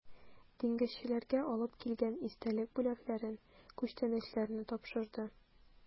Диңгезчеләргә алып килгән истәлек бүләкләрен, күчтәнәчләрне тапшырды.